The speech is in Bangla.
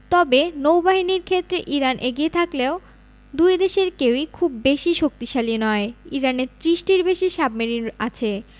তবে নৌবাহিনীর ক্ষেত্রে ইরান এগিয়ে থাকলেও দুই দেশের কেউই খুব বেশি শক্তিশালী নয় ইরানের ৩০টির বেশি সাবমেরিন আছে